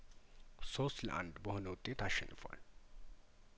ሶስት ለአንድ በሆነ ውጤት አሸንፏል